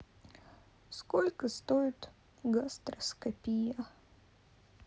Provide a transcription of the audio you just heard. сколько стоит гастроскопия